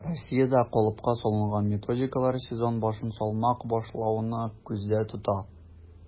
Россиядә калыпка салынган методикалар сезон башын салмак башлауны күздә тота: